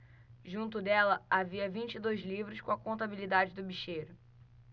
junto dela havia vinte e dois livros com a contabilidade do bicheiro